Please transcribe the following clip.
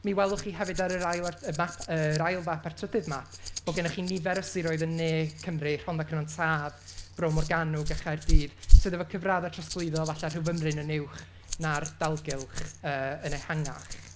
Mi welwch chi hefyd ar yr ail ar y map... yy yr ail fap a'r trydydd map bod gennych chi nifer o siroedd yn ne Cymru, Rhondda Cynon Taf, Bro Morgannwg a Chaerdydd sydd efo cyfraddau trosglwyddo falle rhyw fymryn yn uwch na'r dalgylch yy yn eu hangach.